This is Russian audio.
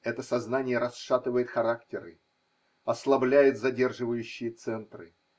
Это сознание расшатывает характеры, ослабляет задерживающие центры.